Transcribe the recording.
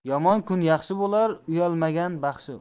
yomon kun yaxshi bo'lar uyalmagan baxshi